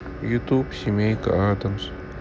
ютуб семейка адамс